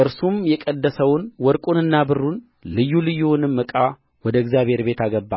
እርሱም የቀደሰውን ወርቁንና ብሩን ልዩ ልዩውንም ዕቃ ወደ እግዚአብሔር ቤት አገባ